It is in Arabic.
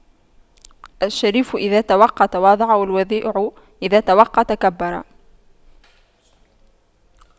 الشريف إذا تَقَوَّى تواضع والوضيع إذا تَقَوَّى تكبر